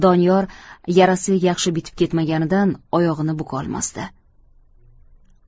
doniyor yarasi yaxshi bitib ketmaganidan oyog'ini bukolmasdi